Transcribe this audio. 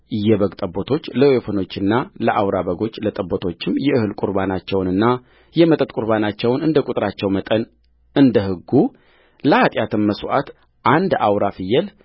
የበግ ጠቦቶችለወይፈኖቹና ለአውራ በጎቹ ለጠቦቶቹም የእህል ቍርባናቸውንና የመጠጥ ቍርባናቸውን እንደ ቍጥራቸው መጠን እንደ ሕጉለኃጢአትም መሥዋዕት አንድ አውራ ፍየል